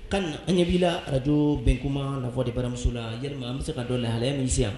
Kani an ɲɛ b'i la radio bɛnkuma la voix de baramuso la yalima an bɛ se k'a dɔn lahala min